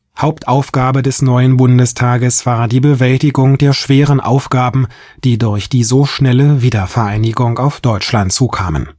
Hauptaufgabe des neuen Bundestages war die Bewältigung der schweren Aufgaben, die durch die so schnelle Wiedervereinigung auf Deutschland zukamen